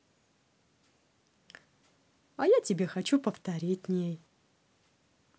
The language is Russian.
а тебе хочу повторить ней